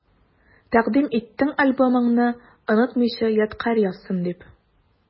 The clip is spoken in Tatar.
Тәкъдим иттең альбомыңны, онытмыйча ядкарь язсын дип.